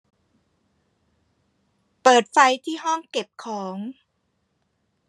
เปิดไฟที่ห้องเก็บของ